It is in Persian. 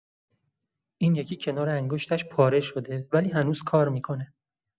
این یکی کنار انگشتش پاره شده، ولی هنوز کار می‌کنه.